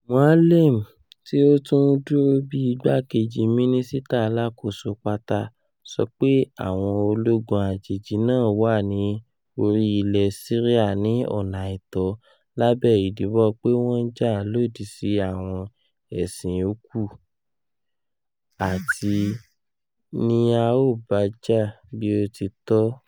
Moualem, ti o tun duro bii igbakeji minisita alakoso pata, sọpe awọn ologun ajeji naa wa ni ori ilẹ Siria ni ọna aitọ, labẹ idinbọn pe wọn n ja lodi si awọn ẹṣin-o-ku, ati “ni a o baja bi o ti tọ.”